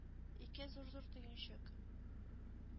Ике зур-зур төенчек.